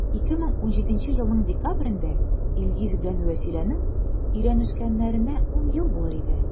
2017 елның декабрендә илгиз белән вәсиләнең өйләнешкәннәренә 10 ел булыр иде.